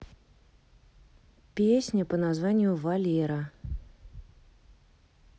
песня по названию валера